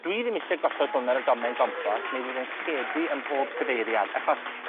Dwi ddim isie gosod hwn ar domen gompos, neu fydd e'n lledu ym mhob cyfeiriad, achos